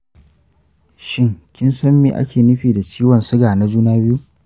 shin kin san me ake nufi da ciwon suga na juna biyu?